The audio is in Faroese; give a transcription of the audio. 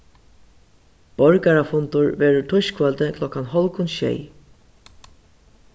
borgarafundur verður týskvøldið klokkan hálvgum sjey